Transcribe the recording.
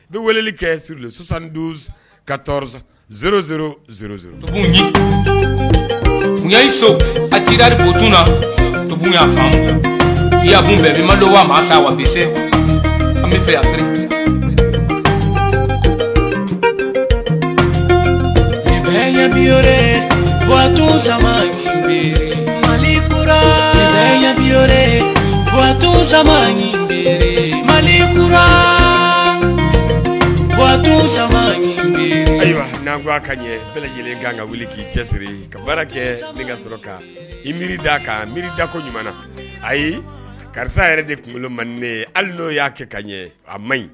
I bɛ weleli kɛsan don ka tɔɔrɔz y so a cidaribu tun y'a i yaa bɛn ma don wa wa bi se an bɛmitomito manto ayiwa n'ana ka ɲɛ bɛɛ lajɛlen' ka wuli k'i cɛsiri ka baara kɛ ka sɔrɔ ka i miiri da kan miiridako ɲuman na ayi karisa yɛrɛ de kunkolo man ye hali'o y'a kɛ ka ɲɛ a man ɲi